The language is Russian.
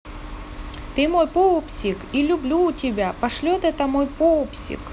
ты мой пупсик и люблю тебя пошлет это мой пупсик